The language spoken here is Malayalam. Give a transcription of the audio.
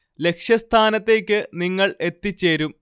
ലക്ഷ്യസ്ഥാനത്തേക്ക് നിങ്ങൾ എത്തിച്ചേരും